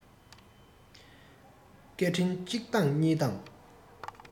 སྐད འཕྲིན གཅིག བཏང གཉིས བཏང